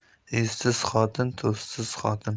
yuzsiz xotin tuzsiz xotin